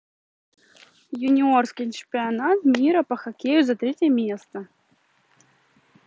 юниорский чемпионат мира по хоккею за третье место